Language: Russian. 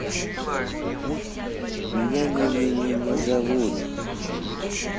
меня не не не зовут